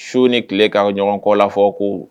Su ni tile ka ɲɔgɔn kɔ la fɔ ko